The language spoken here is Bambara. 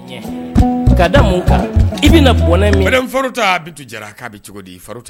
Ka da i bɛna bɔɛ k'a bɛ cogo di